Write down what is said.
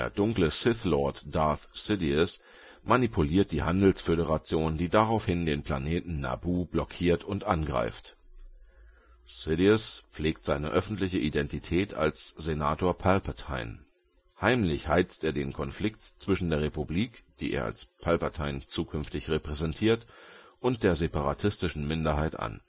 dunkle Sith-Lord Darth Sidious manipuliert die Handelsföderation, die daraufhin den Planeten Naboo blockiert und angreift. Sidious pflegt seine öffentliche Identität als Senator Palpatine. Heimlich heizt er den Konflikt zwischen der Republik (die er als Palpatine zukünftig repräsentiert) und der separatistischen Minderheit an